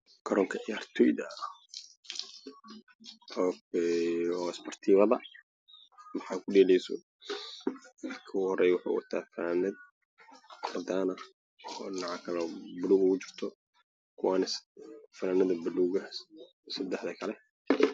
Meshan waa meel Garoon ah waxaa wadato wilal wato funaanado